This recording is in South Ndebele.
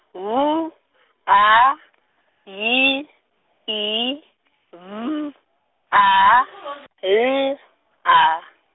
B, A, Y, I, B, A, L, A.